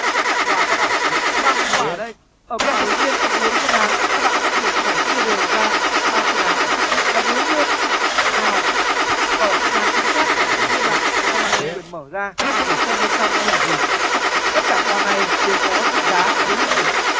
tôi sẽ tặng quà các bạn có ba món quà ở đây ở câu hỏi đầu tiên sẽ có bốn phương án các bạn bắt buộc phải chia đều ra ba phương án và nếu như nào ở phương án chính xác còn giữ nguyên lại thì các bạn được quyền mở ra để xem bên trong nó là gì tất cả quà này đều có trị giá dưới một tỷ